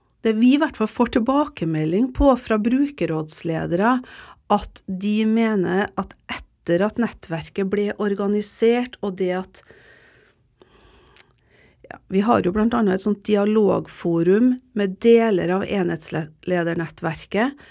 det vi i hvert fall får tilbakemelding på fra brukerrådsledere at de mener at etter at nettverket ble organisert og det at ja vi har jo bl.a. et sånt dialogforum med deler av enhetsledernettverket.